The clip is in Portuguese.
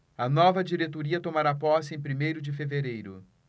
a nova diretoria tomará posse em primeiro de fevereiro